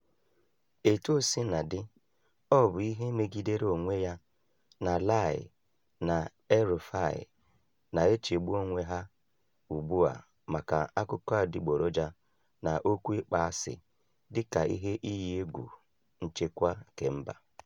Etuosinadị, ọ bụ ihe megidere onwe ya na Lai na El-Rufai na-echegbu onwe ha ugbu a maka akụkọ adịgboroja na okwu ịkpọasị dịka ihe iyi egwu nchekwa kemba.